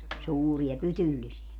suuria pytyllisiä